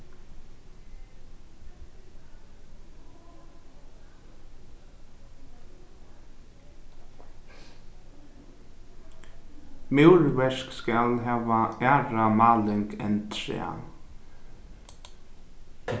múrverk skal hava aðra máling enn træ